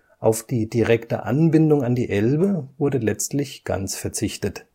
Auf die direkte Anbindung an die Elbe wurde letztlich ganz verzichtet